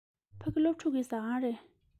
ཕ གི སློབ ཕྲུག གི ཟ ཁང རེད